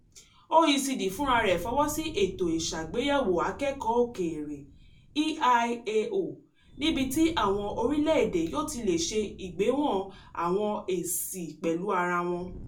OECD fúnra rẹ̀ fọwọ́ sí Ètò Ìṣàgbéyẹ̀wò Akẹ́kọ̀ọ́ Òkèèrè (EIAO) níbi tí àwọn orílẹ̀-èdè yóò ti lè ṣe ìgbéwọ̀n àwọn èsì pẹ̀lú ara wọn.